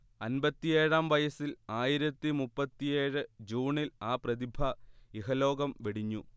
അൻപത്തിയേഴാം വയസ്സിൽ ആയിരത്തി മുപ്പത്തിയേഴ് ജൂണിൽ ആ പ്രതിഭ ഇഹലോകം വെടിഞ്ഞു